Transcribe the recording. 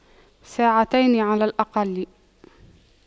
ساعتين على الأقل